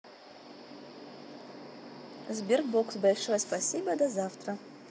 sberbox большое спасибо до завтра